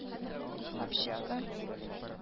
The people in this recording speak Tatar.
Общага